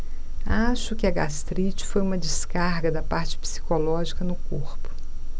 acho que a gastrite foi uma descarga da parte psicológica no corpo